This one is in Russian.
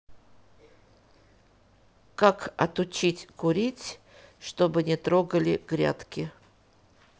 как отучить курить чтобы не трогали грядки